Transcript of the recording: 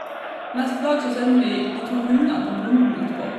Neste dag så sender vi de to hundene til bonden utpå.